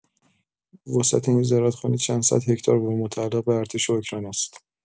وسعت این زرادخانه چند صد هکتار بوده و متعلق به ارتش اوکراین است.